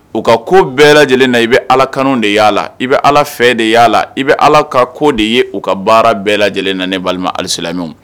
U ka ko bɛɛ lajɛlen na i bɛ ala kanw de y' a la i bɛ ala fɛ de y' la i bɛ ala ka ko de ye u ka baara bɛɛ lajɛlen na ne balima alisila